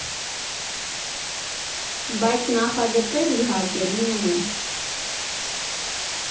Բայց նախագծեր, իհարկե, լինում են։